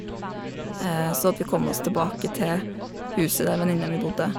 Så at vi kom oss tilbake til huset der venninna mi bodde.